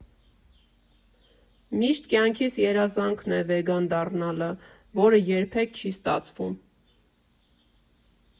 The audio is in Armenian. Միշտ կյանքիս երազանքն է վեգան դառնալը, որը երբեք չի ստացվում։